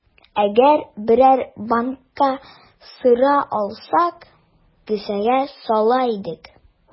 Әгәр берәр банка сыра алсак, кесәгә сала идек.